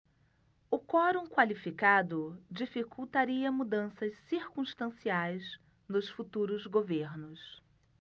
o quorum qualificado dificultaria mudanças circunstanciais nos futuros governos